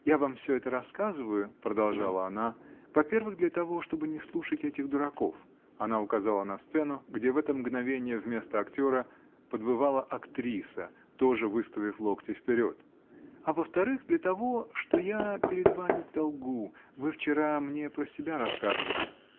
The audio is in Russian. -- Я вам все это рассказываю, -- продолжала она, -- во-первых, для того, чтобы не слушать этих дураков (она указала на сцену, где в это мгновение вместо актера подвывала актриса, тоже выставив локти вперед), а во-вторых, для того, что я перед вами в долгу: вы вчера мне про себя рассказывали.